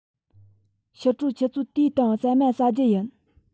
ཕྱི དྲོར ཆུ ཚོད དུའི སྟེང ཟ མ ཟ རྒྱུ ཡིན